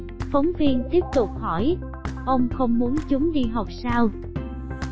phóng viên ông không muốn chúng đi học sao